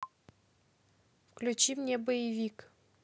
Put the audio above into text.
включи мне боевик